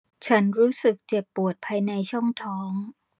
ฉันรู้สึกเจ็บปวดภายในช่องท้อง